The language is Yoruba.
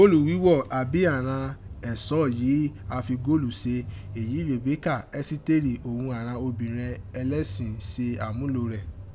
Gọ́ọ̀lù wíwọ́ àbí àghan ẹ̀sọ́ yìí a fi góòlù se èyí Rèbékà, Ẹ́sítérì òghun àghan obìnrẹn ẹlẹ́sìn se àmúlò rẹ̀